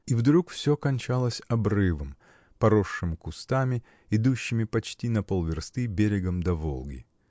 И вдруг всё кончалось обрывом, поросшим кустами, идущими почти на полверсты берегом до Волги.